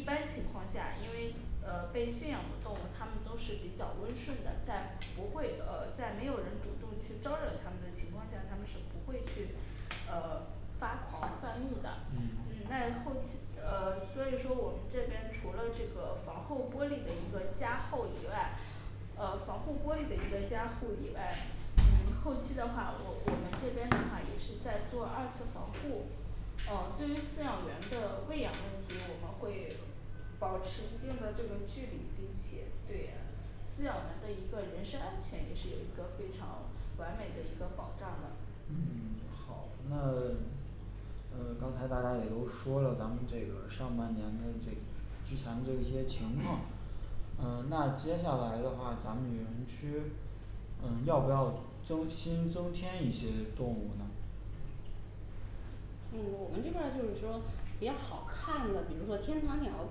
般情况下，因为呃被驯养的动物，它们都是比较温顺的，在不会呃在没有人主动去招惹它们的情况下，它们是不会去呃发狂犯怒的。嗯嗯那后期，呃所以说我们这边除了这个防厚玻璃的一个加厚以外呃防护玻璃的一个加护以外，嗯后期的话我我们这边的话也是在做二次防护嗯对于饲养员的喂养问题，我们会保持一定的这个距离，并且对饲养员的一个人身安全也是有一个非常完美的一个保障的。嗯好，那 呃刚才大家也都说了咱们这个上半年的这之前这些情况嗯那接下来的话咱们园区嗯要不要增新增添一些动物呢？嗯我们这边儿就是说比较好看的，比如说天堂鸟儿、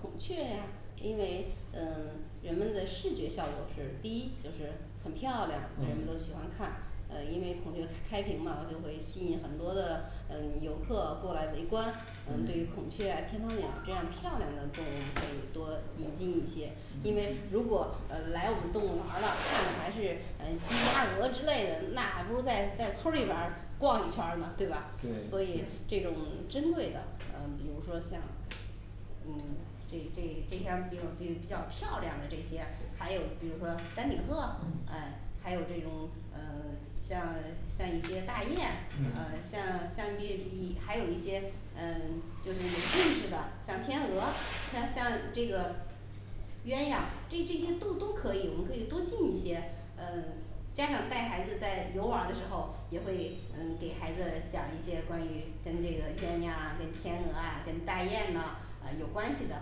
孔雀呀，因为嗯人们的视觉效果是第一就是很漂亮，人们都嗯喜欢看，嗯因为孔雀开屏了就会吸引很多的嗯 游客过来围观，嗯对于嗯孔雀天堂鸟儿这样漂亮的动物可以多引进一些，因为如果呃来我们动物园儿啦，看的还是嗯鸡鸭鹅之类的，那还不如在在村里边儿逛一圈儿呢，对吧？所以对对这种珍贵的嗯比如说像嗯这这这些儿比较比比较漂亮的这些，还有比如说丹顶鹤，嗯还有这种嗯像像一些大雁，嗯嗯像像比一还有一些嗯就是认识的像天鹅像像这个鸳鸯这这些都都可以我们可以多进一些嗯家长带孩子在游玩儿的时候，也会嗯给孩子讲一些关于跟这个鸳鸯呀跟天鹅啊跟大雁呐啊有关系的，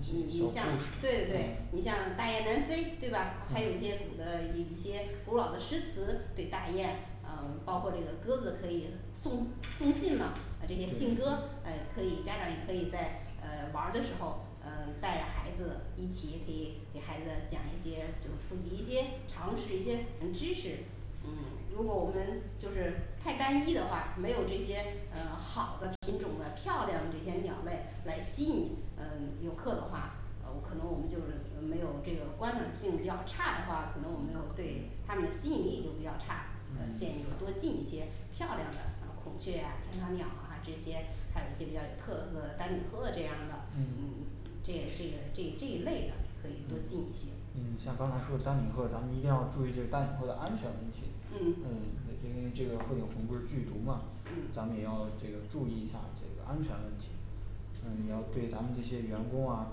你你故像事对对对，你像大雁南飞对吧？还有些古的一些古老的诗词，对大雁嗯包括这个鸽子可以送送信呐啊这些信对鸽对，诶可以家长也可以在嗯玩儿的时候嗯带着孩子一起也可以给孩子讲一些普及一些尝试一些啊知识。嗯如果我们就是太单一的话，没有这些嗯好的品种的漂亮的这些鸟类来吸引嗯游客的话嗯可能我们就没有这个观赏性比较差的话，可能我们就对他们的吸引力就比较差，呃建议就嗯多进一些漂亮的孔雀呀天堂鸟啊这些，还有一些比较有特色丹顶鹤这样的嗯这这个这这一类的可以多进一些。嗯像刚才说的丹顶鹤，咱们一定要注意这丹顶鹤的安全问题，嗯嗯因为这个鹤顶红不是剧毒嘛，咱们也要这个注意一下这个安全问题嗯也要对咱们这些员工啊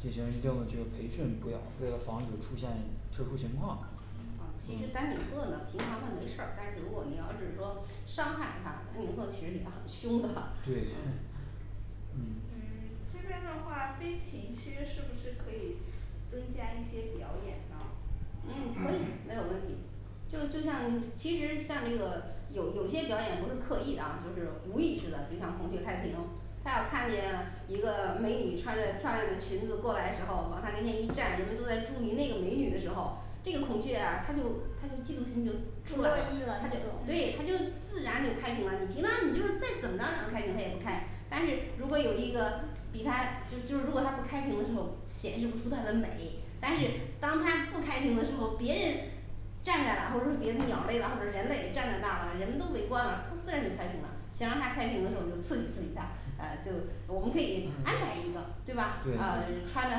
进行一定的这个培训，不要为了防止出现特殊情况。哦其实丹顶鹤呢平常的没事儿，但是如果你要是说伤害它，丹顶鹤其实也很凶的对 嗯嗯 这边的话飞禽区是不是可以增加一些表演呢？嗯可以没有问题就就像 其实像这个有有些表演不是刻意的啊就是无意识的，就像孔雀开屏它要看见一个美女穿着漂亮的裙子过来时候，往它面前一站人家都在注意那个美女的时候这个孔雀啊它就它就嫉妒心就妒忌出来了了，对它嗯就自然就开屏了，你平常你就是再怎么着让它开屏它也不开，但是如果有一个比它就就是如果它不开屏的时候显示不出它的美，但是嗯当它不开屏的时候，别人站在了或者说别的鸟儿类，我们人类站在那儿了人们都围观了，它自然就开屏了，想让它开屏的时候就刺激刺激它，啊就我们可以安排一个对吧？嗯对嗯穿得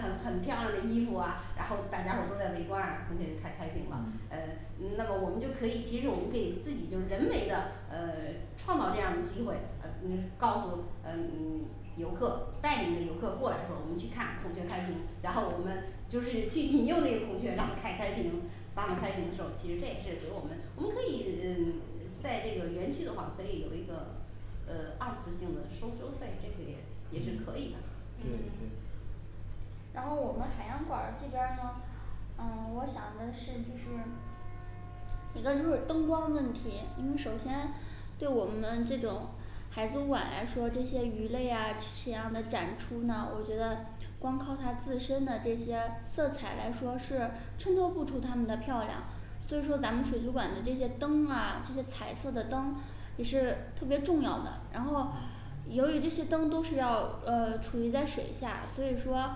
很很漂亮的衣服啊，然后大家伙儿都在围观啊，孔雀就开开屏了嗯那么我们就可以其实我们可以自己就人为的呃 创造这样的机会，嗯告诉嗯 游客，带领着游客过来的时候，我们去看孔雀开屏，然后我们就是去引诱那个孔雀让它开开屏帮我们开屏的时候其实这也是给我们我们可以嗯 在这个园区的话可以有一个呃二次性的收收费这个也也是可嗯以的对对嗯然后我们海洋馆儿这边儿呢，嗯我想的是就是一个就是灯光问题，我们首先对我们这种海族馆来说，这些鱼类呀这样的展出呢，我觉得光靠它自身的这些色彩来说，是衬托不出它们的漂亮。所以说咱们水族馆的这些灯啊，这些彩色的灯也是特别重要的，然后由于这些灯都是要呃储蓄在水下，所以说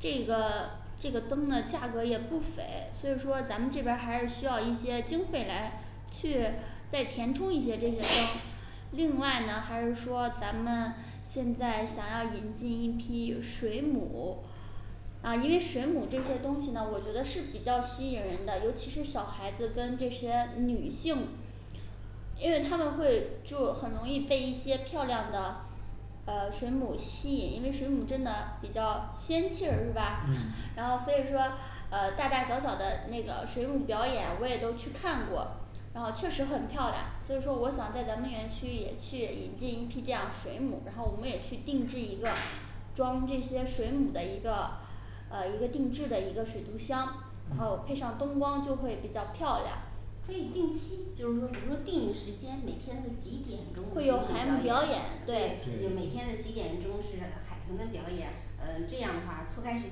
这个这个灯呢价格也不菲，所以说咱们这边儿还是需要一些经费来去再填充一些这些灯。另外呢还是说咱们现在想要引进一批水母啊因为水母这些东西呢我觉得是比较吸引人的，尤其是小孩子跟这些女性因为她们会就很容易被一些漂亮的呃水母吸引，因为水母真的比较仙气儿是吧嗯？然后所以说呃大大小小的那个水母表演我也都去看过然后确实很漂亮，所以说我想在咱们园区也去引进一批这样水母，然后我们也去定制一个装这些水母的一个呃一个定制的一个水族箱然嗯后配上灯光就会比较漂亮可以定期就是说比如说定一个时间，每天的几点钟会水有海母母表表演演，对对有每对天的几点钟是海豚的表演嗯这样的话覆盖时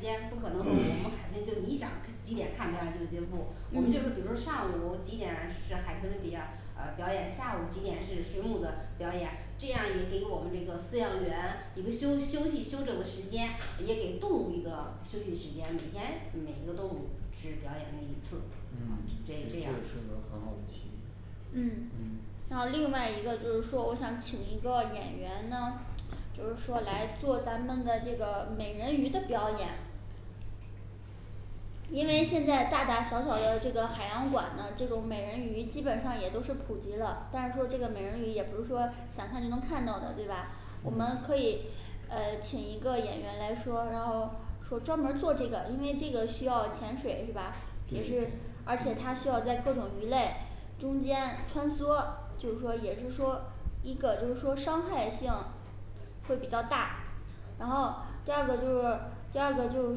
间不可能，我们反正就你想几点看表演这个节目，我们就比如嗯说上午几点是海豚比啊啊表演，下午几点是水母的表演这样也给我们这个饲养员一个休休息休整的时间，也给动物一个休息时间，每天每个动物只表演那一次嗯这这这是个样儿很好的提议嗯嗯然后另外一个就是说我想请一个演员呢，就是说来做咱们的这个美人鱼的表演因为现在大大小小的这个海洋馆呢，这种美人鱼基本上也都是普及了，但是说这个美人鱼也不是说想看就能看到的，对吧？我们嗯可以呃请一个演员来说，然后说专门儿做这个，因为这个需要潜水是吧？也是对，而且他需要在各种鱼类中间穿梭，就是说也是说一个就是说伤害性会比较大，然后第二个就是第二个就是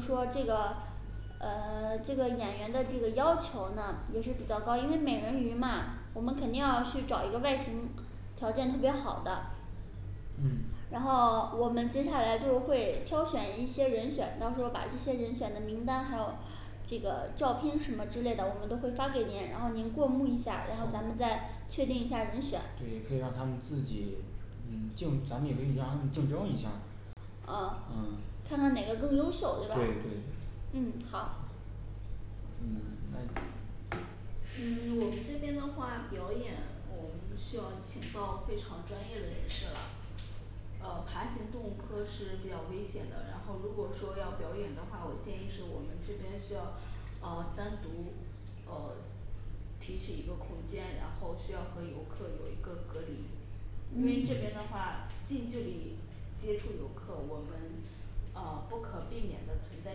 说这个呃 这个演员的这个要求呢也是比较高，因为美人鱼嘛我们肯定要去找一个外形条件特别好的嗯然后我们接下来就会挑选一些人选，到时候把这些人选的名单，还有这个照片什么之类的，我们都会发给您，然后您过目一下儿，然后咱好们再确定一下人选对也可以让她们自己嗯竞咱们也可以让她们竞争一下儿嗯嗯看看哪个更优秀对吧对对嗯好嗯那嗯我们这边的话表演我们需要请到非常专业的人士啦呃爬行动物科是比较危险的，然后如果说要表演的话，我建议是我们这边需要呃单独呃提取一个空间，然后需要和游客有一个隔离。因为嗯这边的嗯话近距离接触游客，我们啊不可避免的存在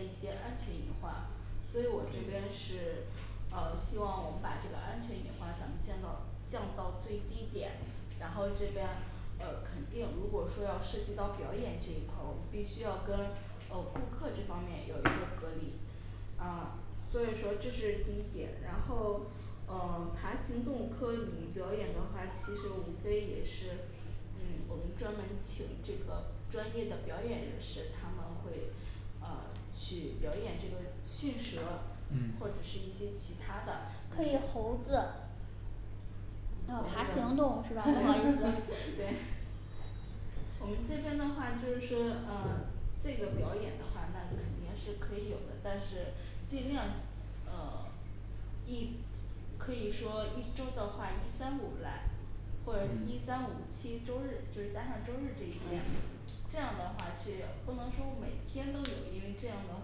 一些安全隐患所以我这边是呃希望我们把这个安全隐患咱们降到降到最低点，然后这边呃肯定如果说要涉及到表演这一块儿，我们必须要跟呃顾客这方面有一个隔离啊所以说这是第一点。然后嗯爬行动物科你表演的话，其实无非也是嗯我们专门请这个专业的表演人士，他们会啊去表演这个驯蛇嗯或者是一些其他的可以猴子啊爬行动物 是吧不好意思 对我们这边的话就是说啊这个表演的话那肯定是可以有的，但是尽量呃一可以说一周的话一三五来或者一嗯三五七周日就是加上周日这一天这样的话是不能说每天都有，因为这样的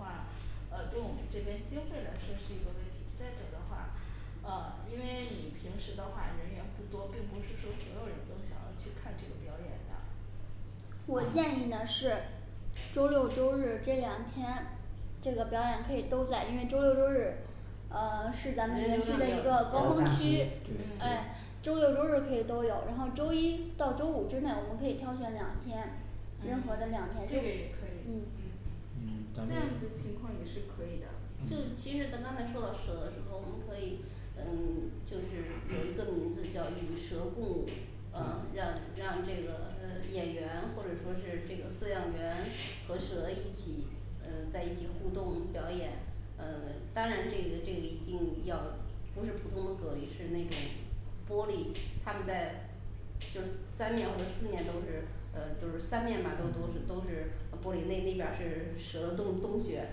话呃对我们这边经费来说是一个问题，再者的话啊因为你平时的话人员不多，并不是说所有人都想要去看这个表演的我啊建议呢是周六周日这两天这个表演可以都在，因为周六周日嗯是咱人们园流区的量一比个较高高峰比峰较区区大，对诶周六周日可以都有，然后周一到周五之内我们可以挑选两天嗯嗯任何的两天这个也可都以嗯嗯，这咱们嗯样子的情况也是可以的。其实她刚才说到蛇的时候，我们可以嗯就是有一个名字叫与蛇共舞呃让让这个呃演员或者说是这个饲养员和蛇一起嗯在一起互动表演嗯当然这个这个一定要不是普通的玻璃，是那种玻璃，它们在就是三面或者四面都是呃都是三面吧都都是嗯都是玻璃那那边儿是蛇洞洞穴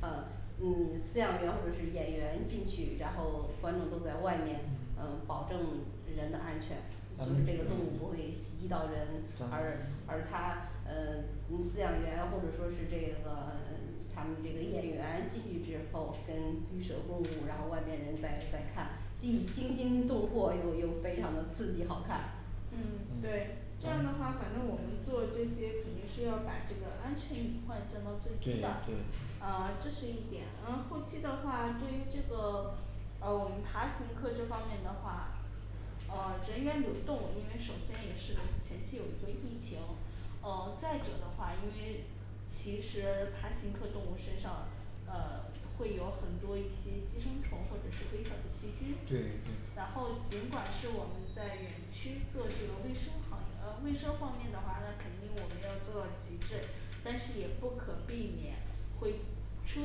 啊嗯饲养员或者是演员进去，然后观众都在外面嗯保证人的安全啊嗯这个动物不会袭击到人，而而它嗯同饲养员或者说是这个 他们这个演员进去之后跟与蛇共舞，然后外面人在在看既惊心动魄，又又非常的刺激好看嗯对，这样的话反正我们做这些肯定是要把这个安全隐患降到最低对对的，啊这是一点。嗯后期的话对于这个呃我们爬行科这方面的话，啊人员流动，因为首先也是前期有一个疫情哦再者的话因为其实爬行科动物身上呃会有很多一些寄生虫或者是微小的细菌对对，然后尽管是我们在园区做这个卫生行呃卫生方面的话，那肯定我们要做到极致，但是也不可避免会出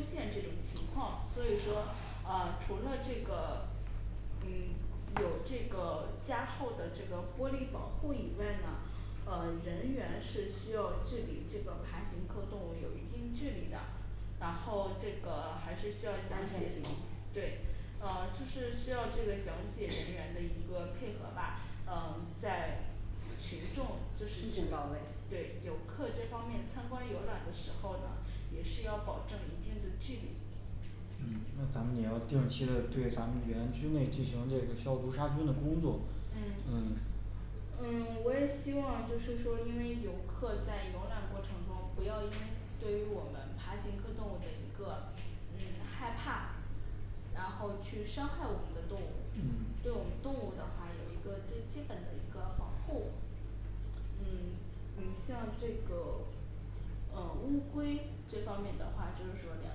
现这种情况，所以说呃除了这个嗯有这个加厚的这个玻璃保护以外呢，呃人员是需要距离这个爬行科动物有一定距离的然后这个还是需要讲解，对啊就是需要这个讲解人员的一个配合吧，嗯在群众就是对游客这方面参观游览的时候呢，也是要保证一定的距离，嗯那咱们也要定期的对咱们园区内进行这个消毒杀菌的工作嗯嗯。嗯我也希望就是说因为游客在游览过程中，不要因为对于我们爬行科动物的一个嗯害怕然后去伤害我们的动物嗯，对我们动物的话有一个最基本的一个保护嗯你像这个呃乌龟这方面的话，就是说两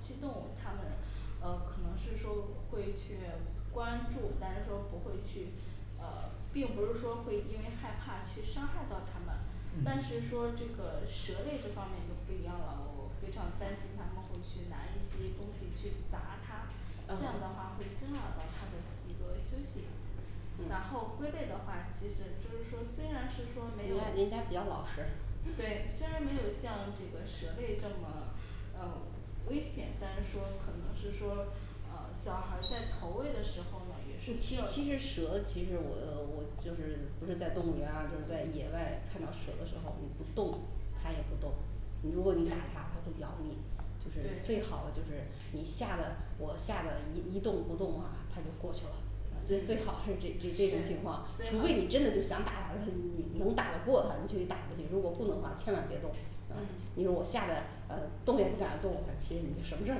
栖动物它们呃可能是说会去关注，但是说不会去呃并不是说会因为害怕去伤害到它们嗯但是说这个蛇类这方面就不一样了，我非常担心他们会去拿一些东西去砸它这样的啊话会惊扰到它的一个休息然后龟类的话，其实就是说虽然是说没人有家人家比较老实对，虽然没有像这个蛇类这么呃危险，但是说可能是说啊小孩儿在投喂的时候呢也其是需要实蛇，其实我我就是不是在动物园啊就是在野外看到蛇的时候你不动它也不动，如果你打它它会咬对你，就是最好对的就是你吓得我吓得一一动不动啊它就过去了。嗯是最最好好是这这这种情况，除非你真的是想打它，你能打的过它你就去打过去，如果不能话千万别动嗯你说我吓得啊动也不敢动了，其实你什么事儿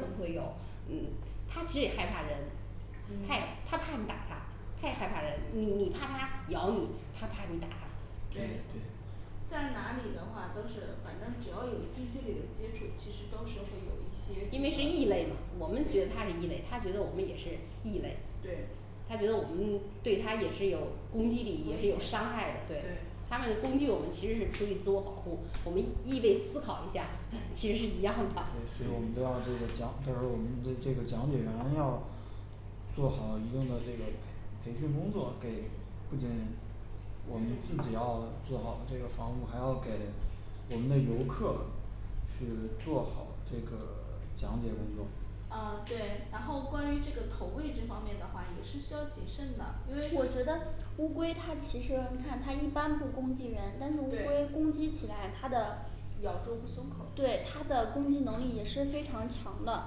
都不会有，嗯它其实也害怕人它也嗯它怕你打它，它也害怕人你怕它咬你，它怕你打它。对对对在哪里的话都是反正只要有近距离的接触，其实都是会有一些这个，因为是异类对嘛，我们觉得它是异类它觉得我们也是异类，对它觉得我们对它也是有攻击危力险会有伤害的，对对它们攻击我们其实是出于自我保护，我们异位思考一下，其实是一样的， 对所以我们都要这个讲到时候我们这这个讲解员要做好一定的这个培培训工作，给不仅我们嗯自己要做好这个防护，还要给我们的游客去做好这个讲解工作啊对，然后关于这个投喂这方面的话也是需要谨慎的，因为，我对觉得乌龟它其实看它一般不攻击人，但是乌龟攻击起来它的咬住不松口，对对它的攻击能力也是非常强的，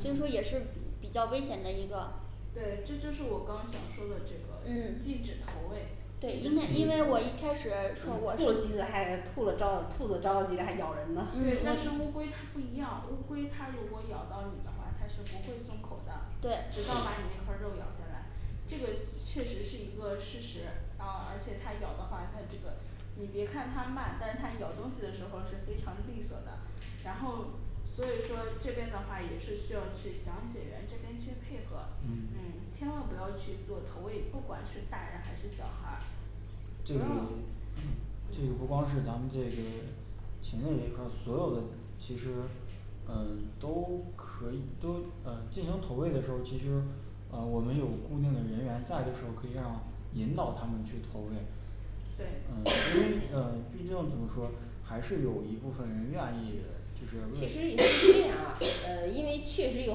所以说也是比较危险的一个，嗯，这就是我刚想说的这个禁止投喂禁止随意投喂，对，但是对因为因为我一开始从兔我子急了还兔子着了兔子着了急了还咬人呢，嗯乌龟它不一样，乌龟它如果咬到你的话，它是不会松口的对，直到把你那块儿肉咬下来这个确实是一个事实，啊而且它咬的话它这个你别看它慢，但是它咬东西的时候是非常利索的，然后所以说这边的话也是需要去讲解员这边去配合，嗯嗯千万不要去做投喂，不管是大人还是小孩儿不这要 这个不光是咱们这个禽类这块儿，所有的其实嗯都可以都嗯进行投喂的时候，其实啊我们有固定的人员在的时候可以让引导他们去投喂对因为 呃毕竟怎么说，还是有一部分人愿意就是其实喂也是这样啊 呃因为确实有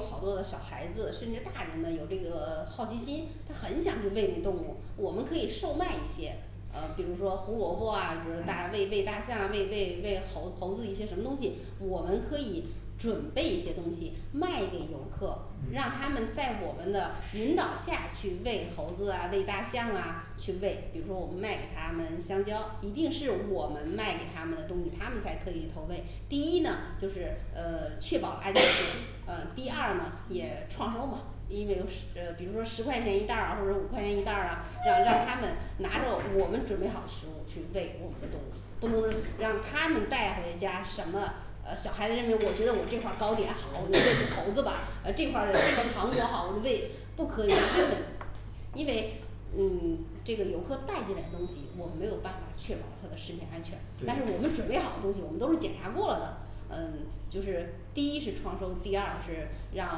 好多的小孩子，甚至大人们有这个好奇心，他很想去喂这动物，我们可以售卖一些呃比如说胡萝卜啊，比如大喂喂大象啊喂喂喂猴猴子一些什么东西，我们可以准备一些东西卖给游客，让他嗯们在我们的引导下去喂猴子啊喂大象啊，去喂比如说我卖给他们香蕉一定是我们卖给他们的东西，他们才可以去投喂f 第一呢就是呃确保安全 啊第二呢也创收嘛，因为十呃比如说十块钱一袋儿或者五块钱一袋儿啊，让让他们拿着我们准备好的食物去喂我们的动物不能让他们带回家什么，呃小孩子认为我觉得我这块儿糕点好，我就喂 猴子吧啊这块儿 糖果好我就喂不可以 因为嗯这个游客带进来的东西，我们没有办法确保它的食品安全，但是我们对准备好的东西我们都是检查过的嗯就是第一是创收，第二是让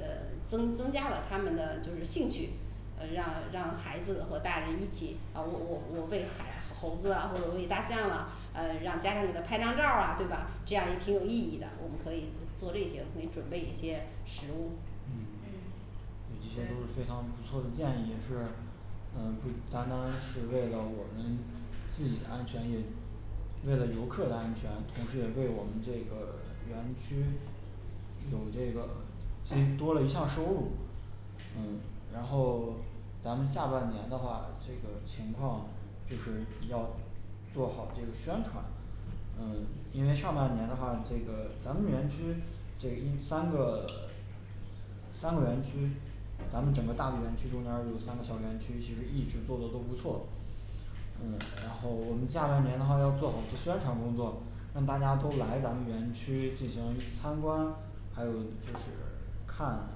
呃增增加了他们的就是兴趣呃让让孩子和大人一起，啊我我我喂孩猴子啊或者喂大象啊，啊让家长给他拍张照儿啊对吧？这样儿也挺有意义的，我可以做这些，可以准备一些食物嗯嗯这些都是对非常不错的，建议是嗯不单单是为了我们自己安全，也为了游客的安全，同时也为我们这个园区有这个先多了一项收入。嗯然后咱们下半年的话，这个情况就是要做好这个宣传。嗯因为上半年的话，这个咱们园区这一三个三个园区，咱们整个大的园区中间儿有三个小园区，其实一直做的都不错嗯然后我们下半年的话要做好宣传工作，让大家都来咱们园区进行一参观，还有就是看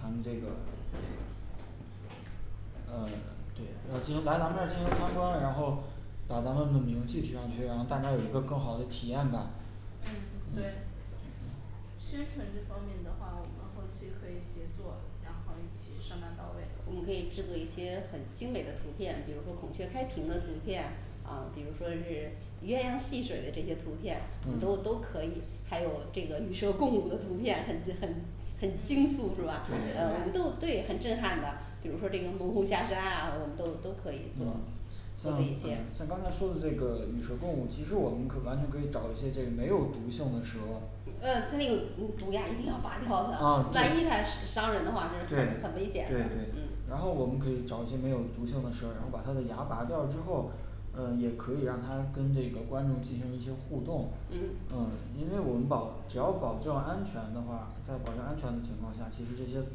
咱们这个嗯对让进来咱们这儿进行参观，然后把咱们的名气提上去，然后大家有一个更好的体验感嗯对宣传这方面的话，我们后期可以协作，然后一起商量到位，我们可以制作一些很精美的图片，比如说孔雀开屏的图片，啊比如说是鸳鸯戏水的这些图片都都嗯可以，还有这个与蛇共舞的图片很很很惊肃是震吧对对撼？都对很震撼的，比如说这个猛虎下山啊，我们都都可以做像做呃一些像刚才说的这个与蛇共舞，其实我们可完全可以找一些这个没有毒性的蛇呃可以嗯虎牙一定要拔掉啊，对对的， 万一它伤人的话还是很很危险的，嗯。，然后我们可以找一些没有毒性的蛇，然后把它的牙拔掉之后嗯也可以让它跟这个观众进行一些互动嗯嗯因为我们保只要保证安全的话，在保证安全的情况下，其实这些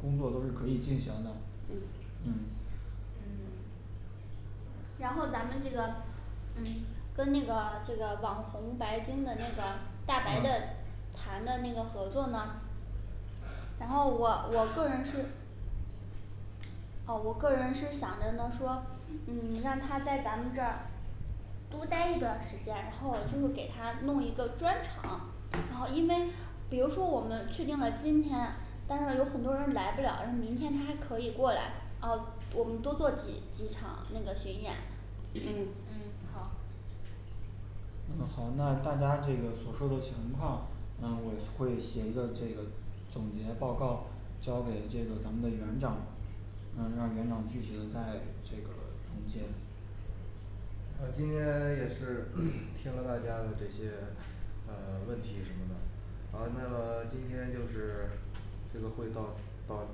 工作都是可以进行的嗯嗯嗯 然后咱们这个嗯跟这个这个网红白鲸的那个大白的嗯谈的那个合作呢然后我我个人是哦我个人是想着呢说嗯让它在咱们这儿多待一段时间，然后我就会给它弄一个专场，然后因为比如说我们制定了今天但是有很多人来不了，明天他还可以过来，啊我们多做几几场那个巡演。嗯嗯好嗯好，那大家这个所说的情况，嗯我会写一个这个总结报告交给这个咱们的园长嗯让园长具体的再这个总结呃今天 也是 听了大家这些啊问题什么的好，那么今天就是这个会到到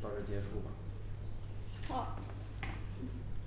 到这结束了。好行